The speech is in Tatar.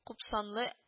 Купсанлы